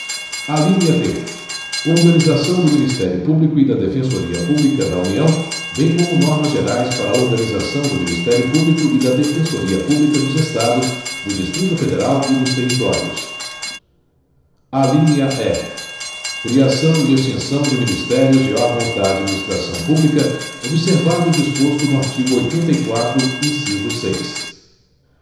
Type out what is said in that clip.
alínea d organização do ministério público e da defensoria pública da união bem como normas gerais para a organização do ministério público e da defensoria pública dos estados do distrito federal e dos territórios alínea e criação e extinção de ministérios e órgãos da administração pública observado o disposto no artigo oitenta e quatro inciso seis